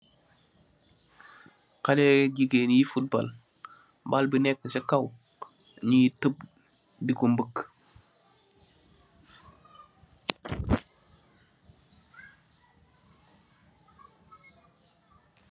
Xele yu jigeen yui football baal bi neka si kaw nyui tup diko mbuka.